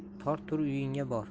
tur uyingga bor